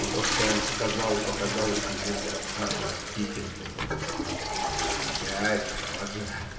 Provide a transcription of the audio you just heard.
И то, что он сказал, показалось ему отвратительным. - Опять то же.